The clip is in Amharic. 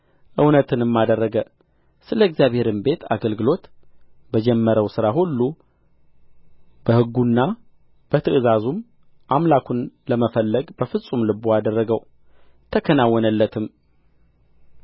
እውነትንም አደረገ ስለ እግዚአብሔርም ቤት አገልግሎት በጀመረው ሥራ ሁሉ በሕጉና በትእዛዙም አምላኩን ለመፈለግ በፍጹም ልቡ አደረገው ተከናወነለትም